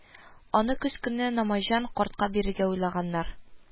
Аны көз көне Намаҗан картка бирергә уйлаганнар